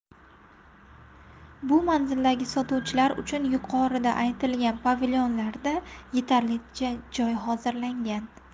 bu manzildagi sotuvchilar uchun yuqorida aytilgan pavilyonlarda yetarlicha joy hozirlangan